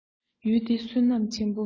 ཡུལ འདི བསོད ནམས ཆེན མོ